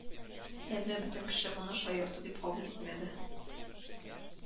Әмма бөтен кеше моны шаярту дип кабул итмәде